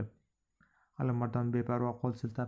alimardon beparvo qo'l siltadi